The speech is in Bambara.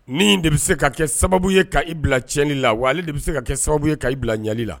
Ni de bɛ se ka kɛ sababu ye ka bila tii la wa ale de bɛ se ka kɛ sababu ye ka i bila ɲɛli la